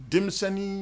Denmisɛnin